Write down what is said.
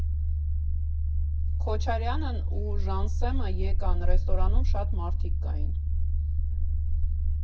Քոչարյանն ու Ժանսեմը եկան, ռեստորանում շատ մարդիկ կային։